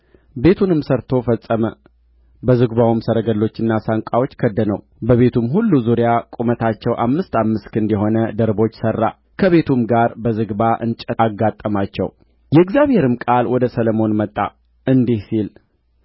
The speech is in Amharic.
ቤቱንም ሠርቶ ፈጸመው በዝግባው ሰረገሎችና ሳንቃዎች ከደነው በቤቱም ሁሉ ዙሪያ ቁመታቸው አምስት አምስት ክንድ የሆነ ደርቦች ሠራ ከቤቱም ጋር በዝግባ እንጨት አጋጠማቸው የእግዚአብሔርም ቃል ወደ ሰሎሞን መጣ እንዲህ ሲል